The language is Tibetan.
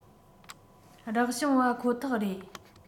རག བྱུང པ ཁོ ཐག རེད